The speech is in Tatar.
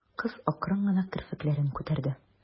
Кыз акрын гына керфекләрен күтәрде.